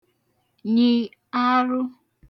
nyì arụ